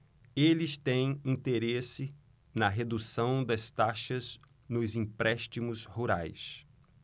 eles têm interesse na redução das taxas nos empréstimos rurais